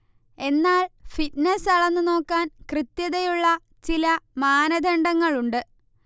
എന്നാൽ ഫിറ്റ്നസ്സ് അളന്നുനോക്കാൻ കൃത്യതയുള്ള ചില മാനദണ്ഡങ്ങളുണ്ട്